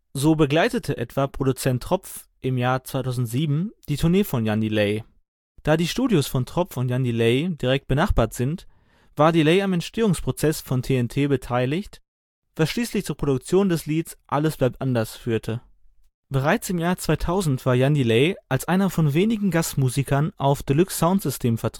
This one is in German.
So begleite etwa Produzent Tropf im Jahr 2007 die Tournee von Jan Delay. Da die Studios von Tropf und Jan Delay direkt benachbart sind, war Delay am Entstehungsprozess von TNT beteiligt, was schließlich zur Produktion des Lieds Alles bleibt anders führte. Bereits im Jahr 2000 war Jan Delay als einer von wenigen Gastmusikern auf Deluxe Soundsystem vertreten